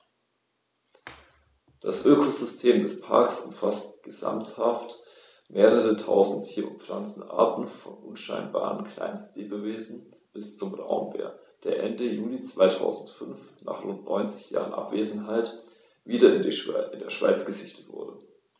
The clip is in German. Das Ökosystem des Parks umfasst gesamthaft mehrere tausend Tier- und Pflanzenarten, von unscheinbaren Kleinstlebewesen bis zum Braunbär, der Ende Juli 2005, nach rund 90 Jahren Abwesenheit, wieder in der Schweiz gesichtet wurde.